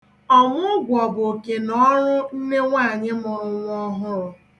Ọmụgwọ bụ okenọọrụ nne nwaanyị mụrụ nwa ọhụrụ.